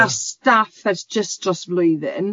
...a staff ers jyst dros flwyddyn.